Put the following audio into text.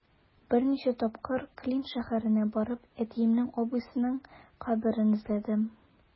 Берничә тапкыр Клин шәһәренә барып, әтиемнең абыйсының каберен эзләдем.